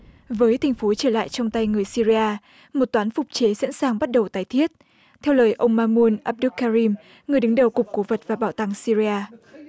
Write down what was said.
với thành phố trở lại trong tay người sy ry a một toán phục chế sẵn sàng bắt đầu tái thiết theo lời ông ma mun ắp đớt ke rim người đứng đầu cục cổ vật và bảo tàng sy ri a